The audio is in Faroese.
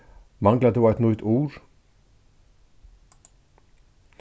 manglar tú eitt nýtt ur